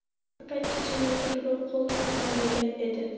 shu paytgacha menga birov qo'l ko'tarmagan edi